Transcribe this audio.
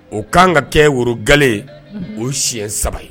O kan ka kɛ worokale o si saba ye